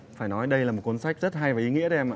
phải nói đây là một cuốn sách rất hay và ý nghĩa đấy em ạ